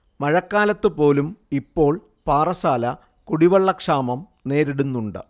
മഴക്കാലത്ത് പോലും ഇപ്പോൾ പാറശ്ശാല കുടിവെള്ളക്ഷാമം നേരിടുന്നുണ്ട്